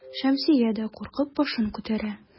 Шәмсия дә куркып башын күтәрә.